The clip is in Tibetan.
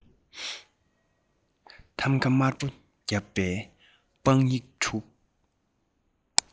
ཐམ ག དམར པོ བརྒྱབ པའི དཔང ཡིག དྲུག